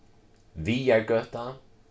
viðargøta